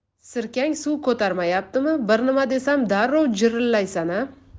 sirkang suv ko'tarmayaptimi bir nima desam darrov jirillaysan a